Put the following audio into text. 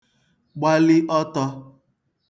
gbali ọtọ̄